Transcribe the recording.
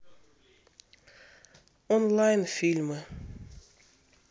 онлайн фильмы